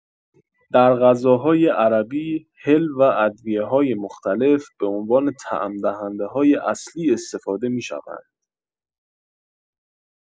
در غذاهای عربی، هل و ادویه‌های مختلف به عنوان طعم‌دهنده‌های اصلی استفاده می‌شوند.